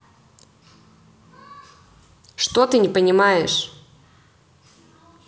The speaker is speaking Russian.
что ты не понимаешь